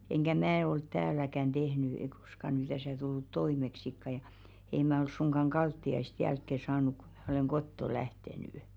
enkä minä ollut täälläkään tehnyt ei koskaan nyt tässä tullut toimeksikaan ja ei minä ole suinkaan kaltiaista jälkeen saanut kun minä olen kotoa lähtenyt